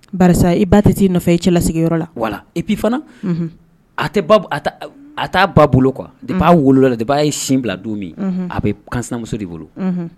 Karisa i ba tɛ t'i nɔfɛ i cɛlala sigiyɔrɔyɔrɔ la wapi fana a a taa ba bolo kuwa de b'a wolola de b'a ye sin bila don min a bɛ kanmuso de bolo